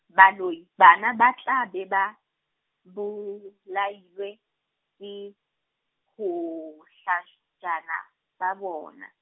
baloi, bana ba tla be ba, bolailwe ke, bohlajana ba bona.